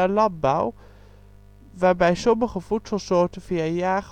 landbouw, waarbij sommige voedselsoorten via